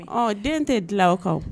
Ɔn den tɛ dilan o kan wo